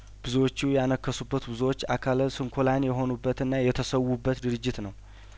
ብዙዎቹ ያነከሱበት ብዙዎች አካለስንኩላን የሆኑበትና የተሰዉበት ድርጅት ነው